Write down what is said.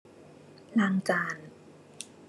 ล้างจาน